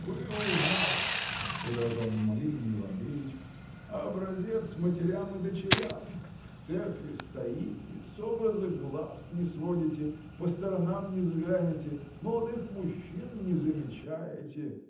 — Вы у нас, — продолжал неумолимый Нил Андреич, — образец матерям и дочерям: в церкви стоите, с образа глаз не отводите, по сторонам не взглянете, молодых мужчин не замечаете.